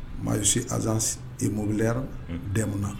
Moi, je suis agence immobilière , un, DEMINA.